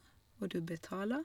Og du betaler.